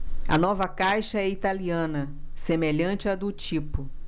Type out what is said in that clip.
a nova caixa é italiana semelhante à do tipo